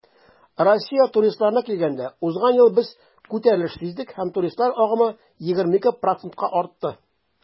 Россия туристларына килгәндә, узган ел без күтәрелеш сиздек һәм туристлар агымы 22 %-ка артты.